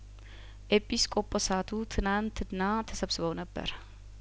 ኤጲስ ቆጶሳቱ ትናንትና ተሰብስበው ነበር